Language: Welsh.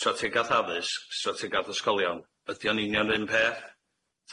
strategath addysg, strategath ysgolion, ydi o'n union 'r un peth?